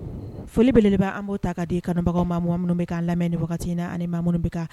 Foli bele an b' ta k' di kanubagaw maa mɔgɔ minnu bɛ' lamɛn ni wagatiina ani ma minnu bɛ